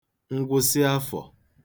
ngwụsị afọ̀